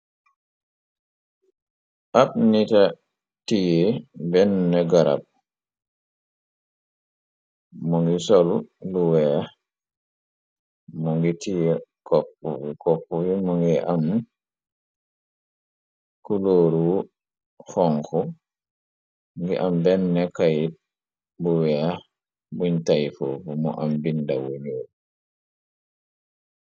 Ab nita tiye benn garab mo ngi sol lu weex mo ngi tie kopp koppi mo ngi am kulóoru xonku ngi am benn kayit bu weex buñ tayfob mu am bindawu ñyuul.